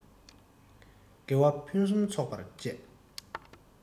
དགེ བ ཕུན སུམ ཚོགས པར སྤྱད